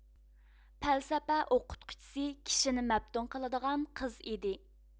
پەلسەپە ئوقۇتقۇچىسى كىشىنى مەپتۇن قىلىدىغان قىز ئىدى